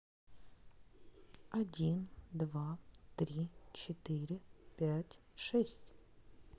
один два три четыре пять шесть